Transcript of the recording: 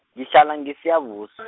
ngihlala ngeSiyabus-.